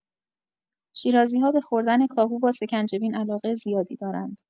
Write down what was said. شیرازی‌ها به خوردن کاهو با سکنجبین علاقه زیادی دارند.